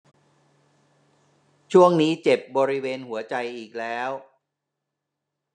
ช่วงนี้เจ็บบริเวณหัวใจอีกแล้ว